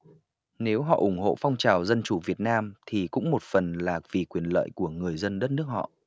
nếu họ ủng hộ phong trào dân chủ việt nam thì cũng một phần là vì quyền lợi của người dân đất nước họ